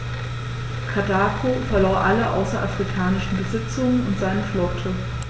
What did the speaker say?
Karthago verlor alle außerafrikanischen Besitzungen und seine Flotte.